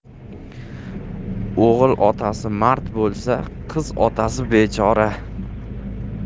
o'g'il otasi mard bo'lsa qiz otasi bechora